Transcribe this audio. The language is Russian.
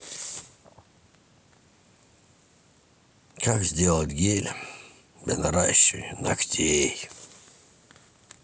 как сделать гель для наращивания ногтей